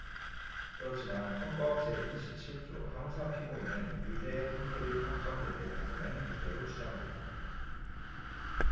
그렇지만 헌법 제 이십 칠 조 형사피고인은 유죄의 판결이 확정될 때까지는 무죄로 추정된다